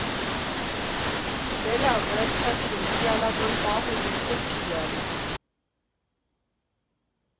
Դե լավ, վերջացրու, իդեալական պահը երբեք չի գալու։